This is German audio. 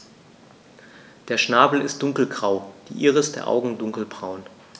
Der Schnabel ist dunkelgrau, die Iris der Augen dunkelbraun.